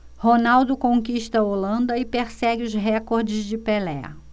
ronaldo conquista a holanda e persegue os recordes de pelé